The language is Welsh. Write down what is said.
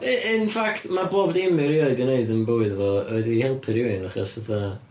i- in fact ma' bob dim mae erioed 'di neud yn bywyd fo wedi helpu rywun achos fatha